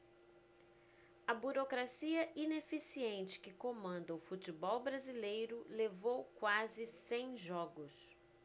a burocracia ineficiente que comanda o futebol brasileiro levou quase cem jogos